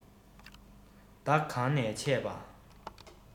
བདག གང ནས ཆས པ